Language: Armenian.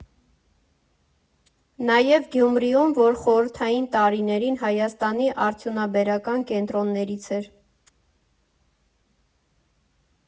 Նաև Գյումրիում, որ խորհրդային տարիներին Հայաստանի արդյունաբերական կենտրոններից էր։